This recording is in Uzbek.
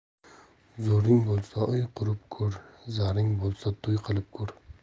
zo'ring bo'lsa uy qurib ko'r zaring bo'lsa to'y qilib ko'r